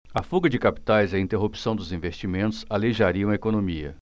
a fuga de capitais e a interrupção dos investimentos aleijariam a economia